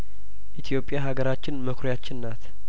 ኢትዮጵያ ሀገራችን መኩሪያችን ናት